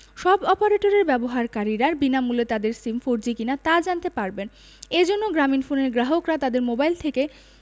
সব অপারেটরের ব্যবহারকারীরা বিনামূল্যে তাদের সিম ফোরজি কিনা তা জানতে পারবেন এ জন্য গ্রামীণফোনের গ্রাহকরা তাদের মোবাইল থেকে